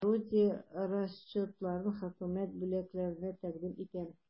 Орудие расчетларын хөкүмәт бүләкләренә тәкъдим итәм.